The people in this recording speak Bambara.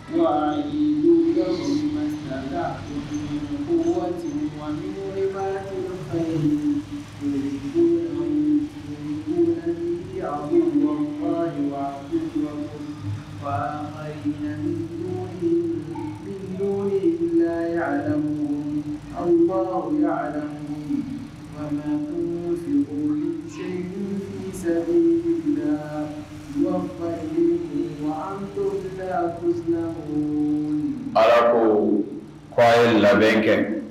Wa wa faama mɔ mɔ y faama kun wa muso kun a ko' a ye labɛn kɛ